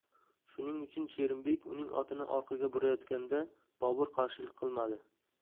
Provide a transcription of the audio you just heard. shuning uchun sherimbek uning otini orqaga burayotganda bobur qarshilik qilmadi